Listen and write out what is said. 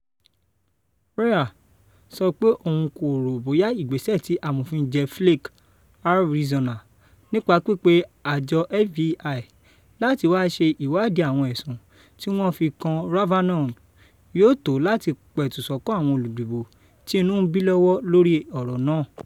Reheer sọ pé òun kò rò bóyá ìgbésẹ̀ tí Amòfin Jeff Flake (R-Arizona) nípa pípè àjọ FBI láti wá ṣe ìwádìí àwọn ẹ̀sùn tí wọ́n fi kan Kavanaugh yóò tó láti pẹ̀tù sọ́kàn àwọn olùdìbò tí inú ń bí lọ́wọ́ lórí ọ̀rọ̀ náà.